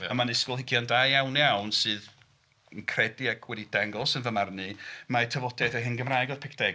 Ma' 'na ysgolheigion da iawn iawn sydd yn credu ac wedi dangos yn y fy marn i mai tafodiaeth o Hen Gymraeg oedd Picteg.